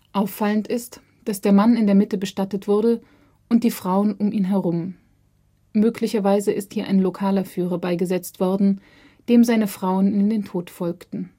Auffallend ist, dass der Mann in der Mitte bestattet wurde und die Frauen um ihn herum. Möglicherweise ist hier ein lokaler Führer beigesetzt worden, dem seine Frauen in den Tod folgten